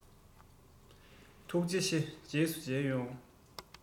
ཐུགས རྗེ ཆེ རྗེས སུ མཇལ ཡོང